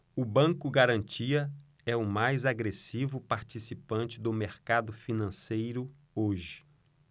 o banco garantia é o mais agressivo participante do mercado financeiro hoje